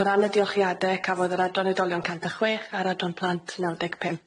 O ran y diolchiade cafodd yr adran oedolion cant y chwech a'r adran plant naw deg pump.